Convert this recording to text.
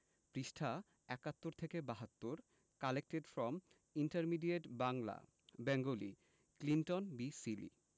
পৃষ্ঠাঃ ৭১ থেকে ৭২ collected from intermediate Bangla Bengali Clinton B Seely